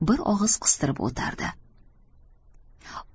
deb bir og'iz qistirib o'tardi